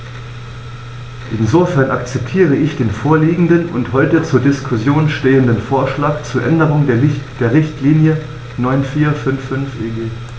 Insofern akzeptiere ich den vorliegenden und heute zur Diskussion stehenden Vorschlag zur Änderung der Richtlinie 94/55/EG.